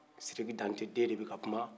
sidiki dante den de bɛ ka kuma